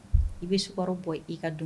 I bɛ sumaworokɔrɔ bɔ i ka don